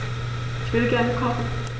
Ich will gerne kochen.